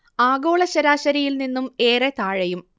ആഗോള ശരാശരിയിൽ നിന്നും ഏറെ താഴെയും